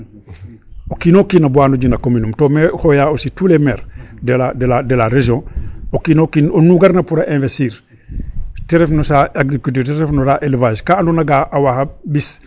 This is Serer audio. O kiin o kiin a waa no jeg na commune um to mexe xooyaa aussi tout les maire de la région o kiin o kiin oxu garna pour a investir ta ref no saax agriculture ta ref no saax élevage ka andoona yee a waaga ɓis commune fene i mbamir na fat o dam teen bo ngoor ke ndjeg calel.